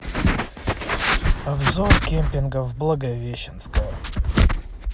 обзор кемпингов благовещенская